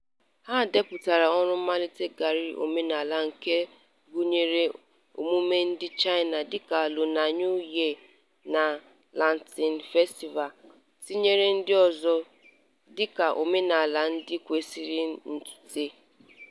Ha depụtara ọrụ mmalitegharị omenala nke gụnyere emume ndị China dịka Lunar New Year na Lantern Festival, tinyere ndị ọzọ, dịka omenala ndị kwesịrị ntụte.